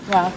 waaw